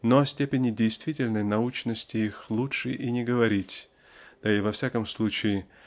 но о степени действительной "научности" их лучше и не говорить да и во всяком случае